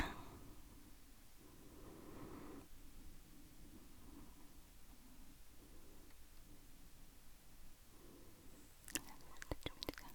Er det to minutter?